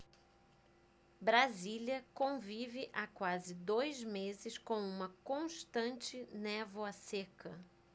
brasília convive há quase dois meses com uma constante névoa seca